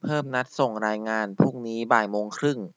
เพิ่มนัดส่งรายงานพรุ่งนี้บ่ายโมงครึ่ง